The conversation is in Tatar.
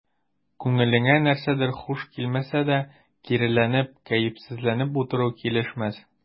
Күңелеңә нәрсәдер хуш килмәсә дә, киреләнеп, кәефсезләнеп утыру килешмәс.